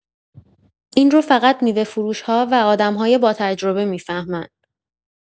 این رو فقط میوه‌فروش‌ها و آدم‌های باتجربه می‌فهمن.